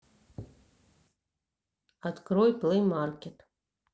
открой плеймаркет